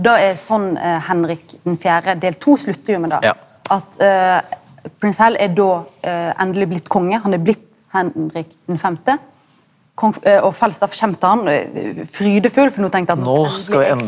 det er sånn Henrik den fjerde del to sluttar jo med det at prins Hal er då endeleg blitt konge han er blitt Henrik den femte og Falstaff kjem til han frydefull for no tenkte han .